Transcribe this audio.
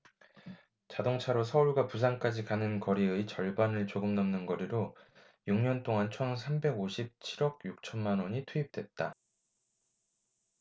자동차로 서울과 부산까지 가는 거리의 절반을 조금 넘는 거리로 육 년 동안 총 삼백 오십 칠 억 육 천만원이 투입됐다